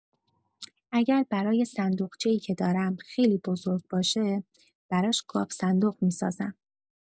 اگه برای صندوقچه‌ای که دارم خیلی بزرگ باشه، براش گاوصندوق می‌سازم.